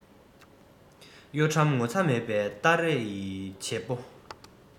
གཡོ ཁྲམ ངོ ཚ མེད པའི སྟ རེ ཡི བྱེད པོ